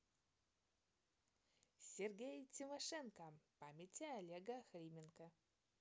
сергей тимошенко памяти олега охрименко